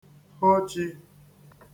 ho chi